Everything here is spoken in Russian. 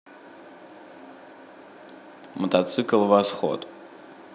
мотоцикл восход